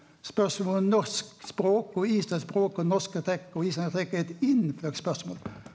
spørsmål om norsk språk og islandsk språk og norske trekk og islandske trekk er eit innfløkt spørsmål.